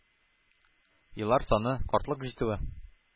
Еллар саны, картлык җитүе.